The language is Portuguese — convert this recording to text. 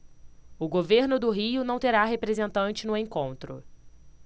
o governo do rio não terá representante no encontro